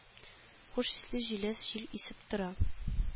Хуш исле җиләс җил исеп тора